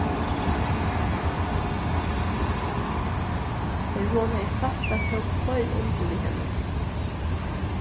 tá ið hon hevði sagt tað tóku fleiri undir við henni